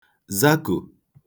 zakò